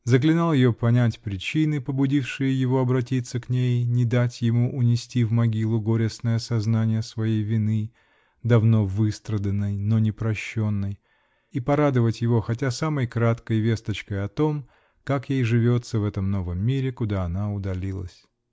заклинал ее понять причины, побудившие его обратиться к ней, не дать ему унести в могилу горестное сознание своей вины -- давно выстраданной, но не прощенной -- и порадовать его хотя самой краткой весточкой о том, как ей живется в этом новом мире, куда она удалилась.